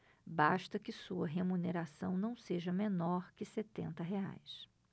basta que sua remuneração não seja menor que setenta reais